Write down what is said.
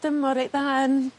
dymor reit dda yn...